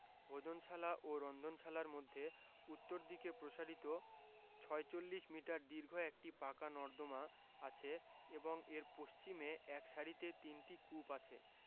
ভোজনশালা ও রন্ধনশালার মধ্যে উত্তরদিকে প্রসারিত ৪৬ মিটার দীর্ঘ একটি পাকা নর্দমা আছে এবং এর পশ্চিমে এক সারিতে তিনটি কূপ আছে